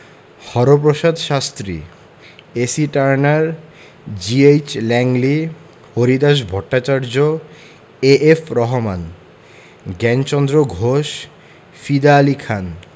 Haraprasad Shastri A C Turner G H Langley Haridas Bhattacharya A F Rahman Gyanchandra Ghosh Fida Ali Khan